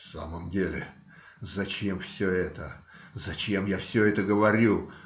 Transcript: "В самом деле, зачем все это, зачем я все это говорю?